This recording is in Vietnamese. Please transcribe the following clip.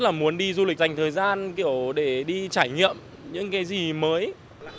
là muốn đi du lịch dành thời gian biểu để đi trải nghiệm những cái gì mới